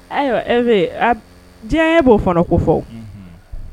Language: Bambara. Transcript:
Ayiwa e bɛ diɲɛ e b'o fana ko fɔw